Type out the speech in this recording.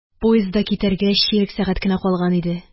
Поезд да китәргә чирек сәгать кенә калган иде.